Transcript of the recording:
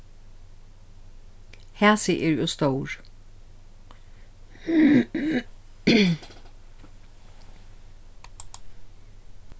hasi eru ov stór